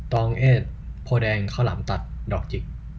ตองเอซโพธิ์แดงข้าวหลามตัดดอกจิก